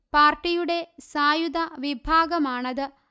പാർട്ടിയുടെ സായുധ വിഭാഗമാണത്